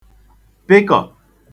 pịkọ̀